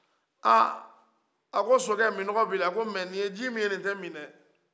a a ko sokɛ minɔgɔ bɛ i la nka nin ye ji min ye nin tɛ mi